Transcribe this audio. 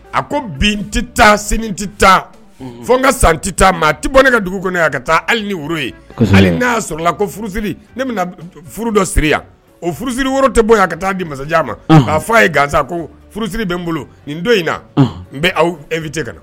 A ko bin tɛ taa sen tɛ taa fo n ka san tɛ taa ma a tɛ bɔ ne ka dugu kɔnɔ yan a ka taa hali ni woro ye hali n sɔrɔ ko furusiri ne bɛna furu dɔ siri yan o furusiri woro tɛ bɔ yan a ka taa di masajan ma k'a fɔ a ye gansa ko furusiri bɛ n bolo n don in na n bɛ aw e vti ka